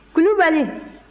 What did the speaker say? kulibali